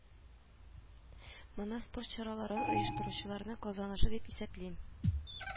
Моны спорт чараларын оештыручыларның казанышы дип исәплим